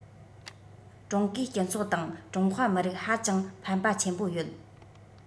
ཀྲུང གོའི སྤྱི ཚོགས དང ཀྲུང ཧྭ མི རིགས ཧ ཅང ཕན པ ཆེན པོ ཡོད